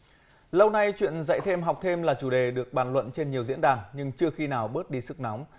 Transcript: lâu nay chuyện dạy thêm học thêm là chủ đề được bàn luận trên nhiều diễn đàn nhưng chưa khi nào bớt đi sức nóng